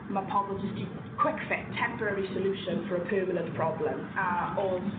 Ma' pobol jyst 'di quick fic- temporary solution for a permanent problem a o'dd